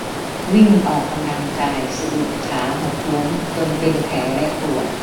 วิ่งออกกำลังกายสะดุดขาหกล้มจนเป็นแผลและปวด